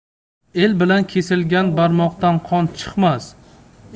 el bilan kesilgan barmoqdan qon chiqmas